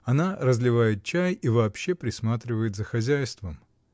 Она разливает чай и вообще присматривает за хозяйством.